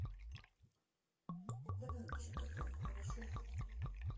давай лучше потом хорошо